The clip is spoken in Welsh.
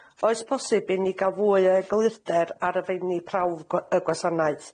Oes posib i ni ga'l fwy o eglurder ar y feini prawf gw- y gwasanaeth?